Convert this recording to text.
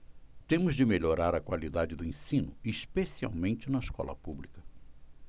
temos de melhorar a qualidade do ensino especialmente na escola pública